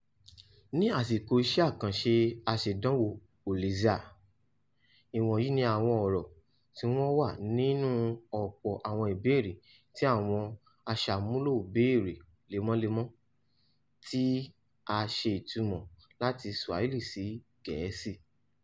Ní àsìkò iṣẹ́ àkànṣe aṣèdánwò Uliza, ìwọ̀nyìí ni àwọn ọ̀rọ̀ tí wọ́n wà nínú ọ̀pọ̀ àwọn ìbéèrè tí àwọn aṣàmúlò bèèrè lemọ́lemọ́ (tí a ṣe ìtumọ̀ láti Swahili sí Gẹ̀ẹ́sì).